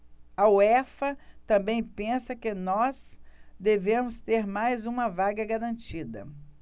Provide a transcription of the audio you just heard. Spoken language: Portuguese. a uefa também pensa que nós devemos ter mais uma vaga garantida